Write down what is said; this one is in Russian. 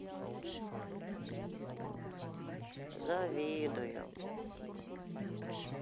завидую